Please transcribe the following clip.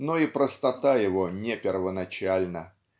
но и простота его не первоначальна